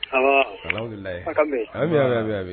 Kalan wulila la an bɛ bɛ